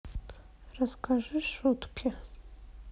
расскажи шутки